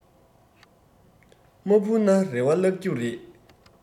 མ འཕུར ན རེ བ བརླགས རྒྱུ རེད